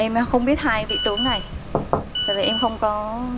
em không biết hai vị tướng này tại vì em không có